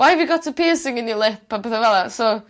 why've you got a piercing in your lip a pethe fela so